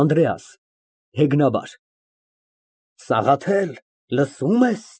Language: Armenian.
ԱՆԴՐԵԱՍ ֊ (Հեգնաբար) Սաղաթել, լսո՞ւմ ես։